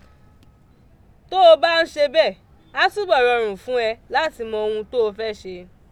Tó o bá ń ṣe bẹ́ẹ̀, á túbọ̀ rọrùn fún ẹ láti mọ ohun tó o fẹ́ ṣe.